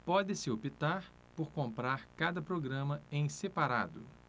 pode-se optar por comprar cada programa em separado